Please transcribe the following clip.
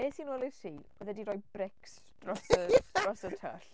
Es i nol i'r tŷ, oedd e 'di rhoi brics dros y dros y twll.